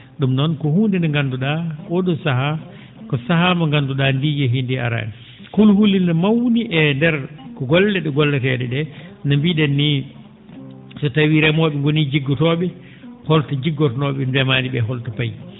?um noon ko huunde nde nganndu?a oo ?oo sahaa ko sahaa mo nganndu?aa ndi yehii ndi araani kono hulinde mawni e ndeer golle ?e golletee?e ?e no mbii?en nii so tawii remoo?e ngoni jiggotoo?e holto jiggotonoo?e ndemaani ?ee holto payi